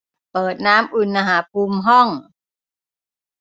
เปิดน้ำอุณหภูมิห้อง